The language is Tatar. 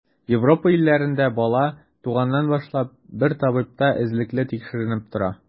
Европа илләрендә бала, туганнан башлап, бер табибта эзлекле тикшеренеп тора.